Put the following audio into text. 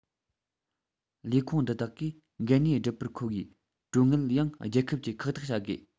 ལས ཁུངས འདི དག གིས འགན ནུས སྒྲུབ པར མཁོ བའི གྲོན དངུལ ཡང རྒྱལ ཁབ ཀྱིས ཁག ཐེག བྱ དགོས